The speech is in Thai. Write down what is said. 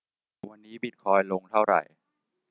วันนี้บิทคอยน์ลงเท่าไหร่